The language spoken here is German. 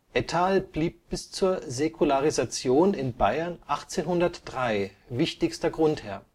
Ettal blieb bis zur Säkularisation in Bayern 1803 wichtigster Grundherr